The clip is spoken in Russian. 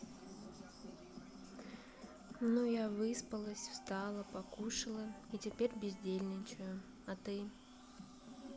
ну я выспалась встала покушала и теперь бездельничаю а ты